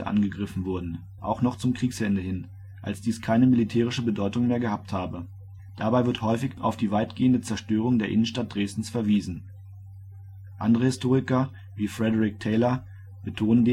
keine militärische Bedeutung mehr gehabt habe. Dabei wird häufig auf die weitgehende Zerstörung der Innenstadt Dresdens verwiesen. Andere Historiker wie Frederick Taylor betonen demgegenüber